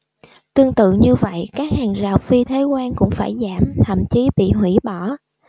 tương tự như vậy các hàng rào phi thuế quan cũng phải giảm thậm chí bị hủy bỏ